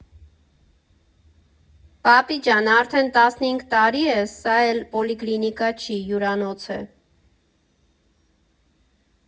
֊ Պապի ջան, արդեն տասնհինգ տարի է՝ սա էլ պոլիկլինիկա չի, հյուրանոց է։